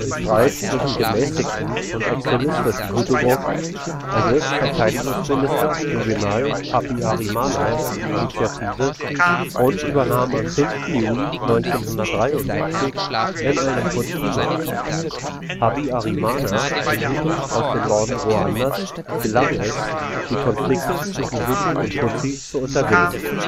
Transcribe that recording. Streit zwischen gemäßigten und extremistischen Hutu-Gruppen ergriff Verteidigungsminister Juvénal Habyarimana die Initiative und übernahm am 5. Juli 1973 in einem Putsch die Macht. Habyarimana, einem Hutu aus dem Norden Ruandas, gelang es, die Konflikte zwischen Hutu und Tutsi zu unterbinden